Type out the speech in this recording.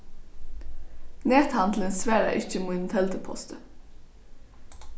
nethandilin svarar ikki mínum telduposti